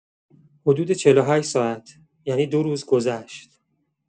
حدود ۴۸ ساعت، یعنی دو روز گذشت.